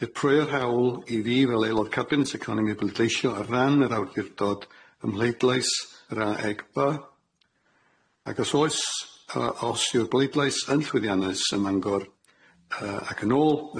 deprwyo'r hawl i fi fel aelod cabinet economi bleidleisio ar ran yr awdurdod ym mhleidlais yr aeg ba, ac os oes, yy os yw'r bleidlais yn llwyddiannus ym Mangor, yy ac yn ôl,